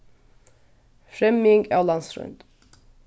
fremjing av landsroynd